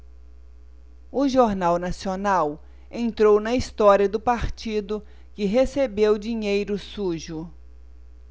o jornal nacional entrou na história do partido que recebeu dinheiro sujo